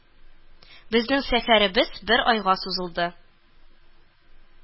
Безнең сәфәребез бер айга сузылды